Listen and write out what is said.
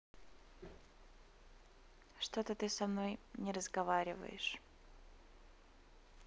что ты со мной не разговариваешь